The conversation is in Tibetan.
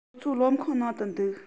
ཁོ ཚོ སློབ ཁང ནང དུ འདུག